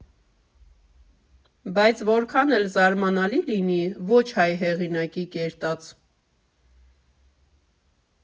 Բայց, որքան էլ զարմանալի լինի, ոչ հայ հեղինակի կերտած։